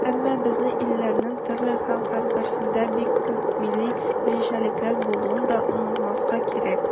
Әмма безнең илләрнең төрле һәм һәрберсендә бик күп милли үзенчәлекләр булуын да онытмаска кирәк.